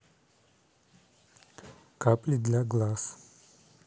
капли для глаз